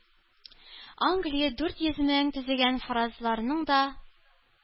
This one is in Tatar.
Англия – дүрт йөз меңул төзегән фаразларның да